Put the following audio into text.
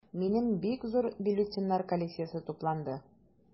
Минем бик зур бюллетеньнәр коллекциясе тупланды.